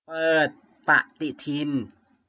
เปิดปฎิทิน